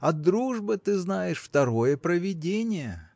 а дружба, ты знаешь, второе провиденье!